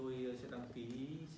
tôi sẽ đăng kí